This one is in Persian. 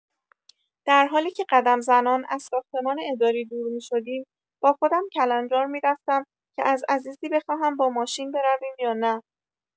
در حالی که قدم‌زنان از ساختمان ادارای دور می‌شدیم با خودم کلنجار می‌رفتم که از عزیزی بخواهم با ماشین برویم یا نه؟!